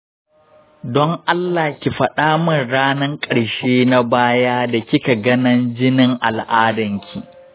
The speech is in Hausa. don allah ki faɗa min ranan ƙarshe na baya da kika ganan jinin al'adanki.